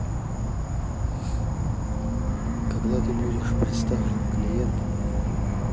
когда ты будешь представлен клиентам